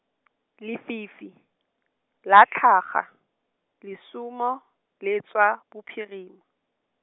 lefifi, la tlhaga, le suma, le tswa, bophirima.